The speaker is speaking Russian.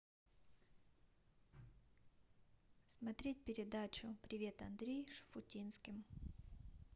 смотреть передачу привет андрей с шуфутинским